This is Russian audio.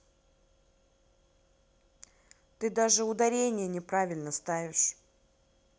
ты даже ударение неправильно ставишь